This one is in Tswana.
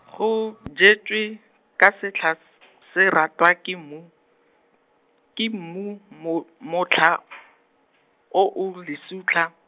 go jetswe, ka setlha , se ratwa ke mmu, ke mmu, mo- motlha , o o lesutlha.